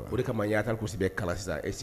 O de kama n ye ayatali bɛɛ kalan sisan